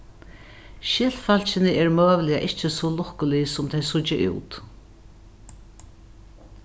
skyldfólkini eru møguliga ikki so lukkulig sum tey síggja út